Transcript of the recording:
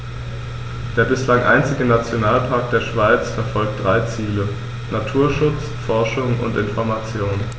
Der bislang einzige Nationalpark der Schweiz verfolgt drei Ziele: Naturschutz, Forschung und Information.